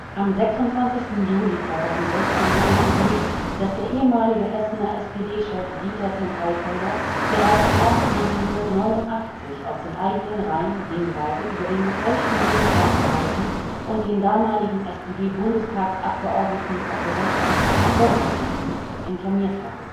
Am 26. Juli 2016 wurde publik, dass der ehemalige Essener SPD-Chef Dieter ten Eikelder bereits im Herbst 1989 aus den eigenen Reihen Hinweise über den gefälschten Lebenslauf erhalten und den damaligen SPD-Bundestagsabgeordneten Otto Reschke, Förderer von Hinz, informiert habe